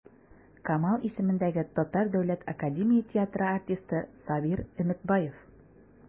Камал исемендәге Татар дәүләт академия театры артисты Сабир Өметбаев.